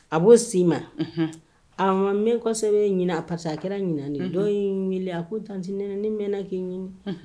A' si ma mɛ kɔ kosɛbɛ bɛ ɲinin a pa a kɛra ɲin dɔ y' weele a ko tante ni mɛnna'i ɲini